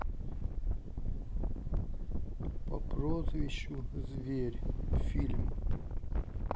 по прозвищу зверь фильм